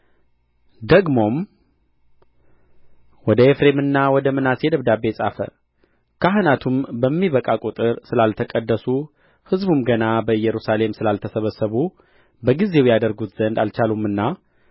ደግሞም ወደ ኤፍሬምና ወደ ምናሴ ደብዳቤ ጻፈ ካህናቱም በሚበቃ ቍጥር ስላልተቀደሱ ሕዝቡም ገና በኢየሩሳሌም ስላልተሰበሰቡ በጊዜው ያደርጉት ዘንድ አልቻሉምና